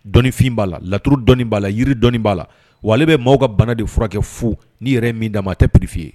Dɔnifin b'a lauru dɔn b'a la yiri dɔni b'a la wa bɛ maaw ka bana de furakɛ fo ni yɛrɛ ye min da a ma a tɛ pripi i ye